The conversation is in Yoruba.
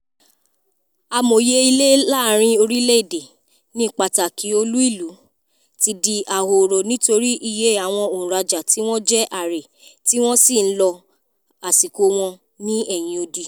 Àmọye ilé láàrin orílẹ̀ èdè - ní pàtàkì olú ìlú - ti di “ahoro” nítorí iye àwọn onràjà tí wọ́n jẹ́ àrè tí wọ́n sì ń lo àsìkò wọn ní ẹ̀yìn odi.